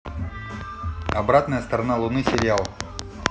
обратная сторона луны сериал